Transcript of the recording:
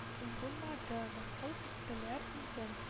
Булмады, – мыскыл иттеләр үзен